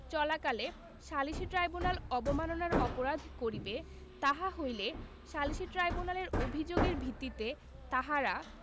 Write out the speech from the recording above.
চলাকালে সালিসী ট্রাইব্যুনাল অবমাননার অপরাধ করিবে তাহা হইলে সালিসী ট্রাইব্যুনালের অভিযোগের ভিত্তিতে তাহারা